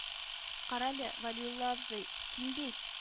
- карале, вәлиулла абзый, син бит